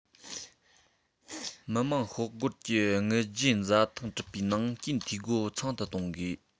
མི དམངས ཤོག སྒོར གྱི དངུལ བརྗེས འཛའ ཐང གྲུབ པའི ནང རྐྱེན འཐུས སྒོ ཚང དུ གཏོང དགོས